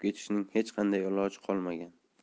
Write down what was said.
chiqib ketishning hech qanday iloji qolmagan